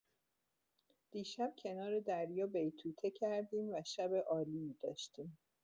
دیشب کنار دریا بیتوته کردیم و شب عالی‌ای داشتیم.